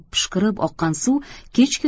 pishqirib oqqan suv kech